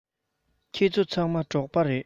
ཁྱེད ཚོ ཚང མ འབྲོག པ རེད